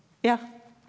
ja.